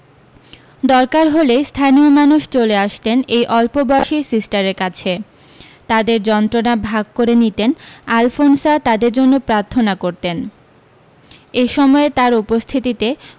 দরকার হলেই স্থানীয় মানুষ চলে আসতেন এই অল্পবয়সি সিস্টারের কাছে তাঁদের যন্ত্রণা ভাগ করে নিতেন আলফোনসা তাঁদের জন্য প্রার্থনা করতেন এ সময়ে তাঁর উপস্থিতিতে